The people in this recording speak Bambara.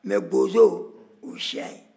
nka bozo o ye siya ye